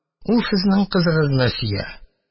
Ул сезнең кызыгызны сөя.